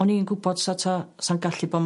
o'n i'n gwbod so't o' sa'n gallu bo'...